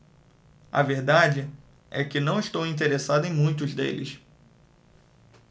a verdade é que não estou interessado em muitos deles